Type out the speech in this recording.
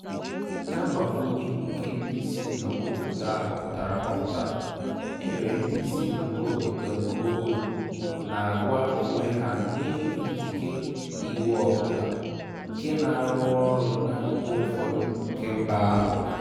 Na mgbakwụnye nke ndị isi nnọkọ obodo a họpụtara ahọpụta, enwere ndị isi nnọkọ obodo nke ogo na-gwa onwe ha na-enweghị ikike iwu ọ bụla nke na-arụ ọrụ n'akụkụ ụfọdụ nke mba ahụ.